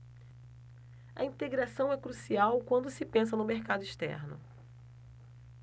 a integração é crucial quando se pensa no mercado externo